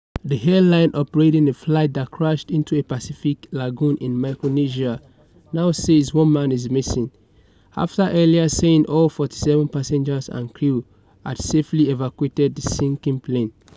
The airline operating a flight that crashed into a Pacific lagoon in Micronesia now says one man is missing, after earlier saying all 47 passengers and crew had safely evacuated the sinking plane.